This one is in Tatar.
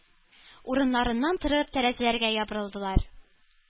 Урыннарыннан торып, тәрәзәләргә ябырылдылар.